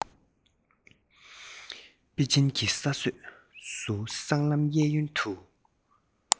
པེ ཅིན གྱི ས སྲོས སུ སྲང ལམ གཡས གཡོན དུ